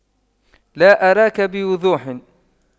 لا أراك بوضوح